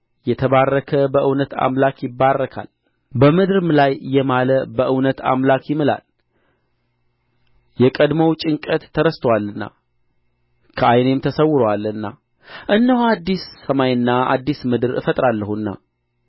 የተባረከ በእውነት አምላክ ይባረካል በምድርም ላይ የማለ በእውነት አምላክ ይምላል የቀድሞው ጭንቀት ተረስቶአልና ከዓይኔም ተሰውሮአልና እነሆ አዲስ ሰማይና አዲስ ምድር እፈጥራለሁና